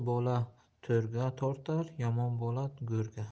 tortar yomon bola go'rga